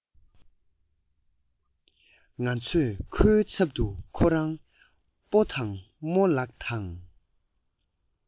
ང ཚོས ཁོའི ཚབ ཏུ ཁོ རང སྤོ དང རྨོ ལགས དང